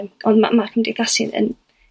ond ma', ma' cymdeithasu yn